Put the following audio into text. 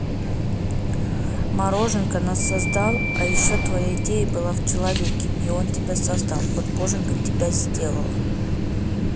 мороженка нас создал а еще твоя идея была в человеке и он тебя создал вот боженька тебя сделала